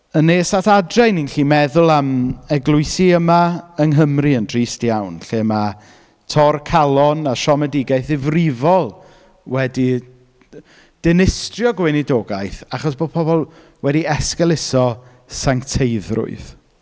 Yn nes at adre, ‘y ni'n gallu meddwl am eglwysi yma yng Nghymru yn drist iawn, lle ma' torcalon a siomedigaeth ddifrifol wedi dinistrio gweinidogaeth achos bod pobl wedi esgeuluso sancteiddrwydd.